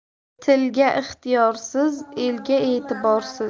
tilga ixtiyorsiz elga e'tiborsiz